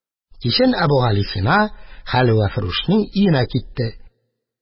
Кичен Әбүгалисина хәлвәфрүшнең өенә китте.